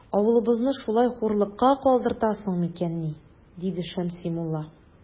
Авылыбызны шулай хурлыкка калдыртасың микәнни? - диде Шәмси мулла.